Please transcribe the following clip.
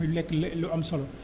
mu lekk le lu am solo